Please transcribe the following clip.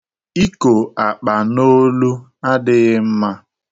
Iko akpa n'olu adịghị mma